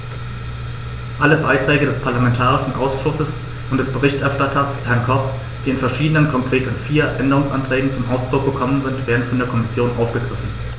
Alle Beiträge des parlamentarischen Ausschusses und des Berichterstatters, Herrn Koch, die in verschiedenen, konkret in vier, Änderungsanträgen zum Ausdruck kommen, werden von der Kommission aufgegriffen.